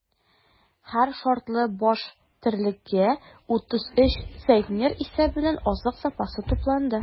Һәр шартлы баш терлеккә 33 центнер исәбеннән азык запасы тупланды.